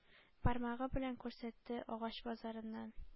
Бармагы белән күрсәтте,- агач базарыннан